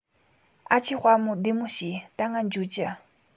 ཨ ཆེ དཔའ མོ བདེ མོ བྱོས ད ང འགྱོ རྒྱུ